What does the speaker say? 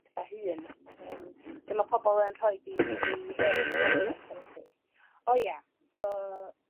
Itha hŷn 'lly ma' pobl yn rhoid 'u 'u hen ffedoga a pethe felly. O ia, so